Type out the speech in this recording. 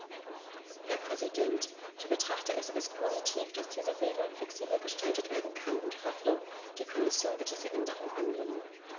Herr Präsident, ich betrachte es als positiv, dass diese Regelung flexibel gestaltet werden kann und hoffe, die Kommission wird diese Änderung annehmen.